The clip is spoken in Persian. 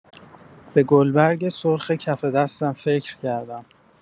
به گلبرگ سرخ کف دستم فکر کردم.